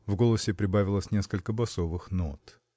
В голосе прибавилось несколько басовых нот.